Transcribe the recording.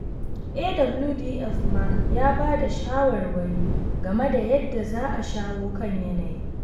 AWDF ma ya ba da 'yan shawarwari game da yadda za a shawo kan yanayin.